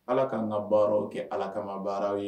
Ala kaan ka baaraw kɛ ala kamama baaraw ye